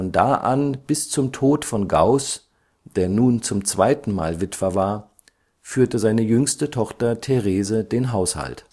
da an bis zum Tod von Gauß, der nun zum zweiten Mal Witwer war, führte seine jüngste Tochter Therese den Haushalt